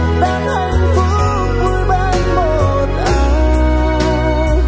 đang hạnh phúc vui bên một ai